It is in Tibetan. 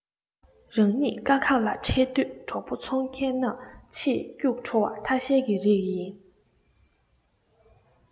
རང ཉིད དཀའ ཁག ལ འཕྲད དུས གྲོགས པོ འཚོང མཁན རྣམས ཆེས སྐྱུག བྲོ བ ཐ ཤལ གྱི རིགས ཡིན